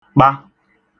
kpa